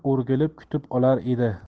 kutib olar edi